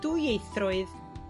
dwyieithrwydd,